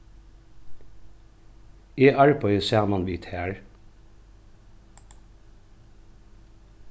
eg arbeiði saman við tær